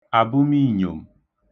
àbụmiìnyòm